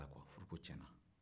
e ma dɔn o furuko tiɲɛna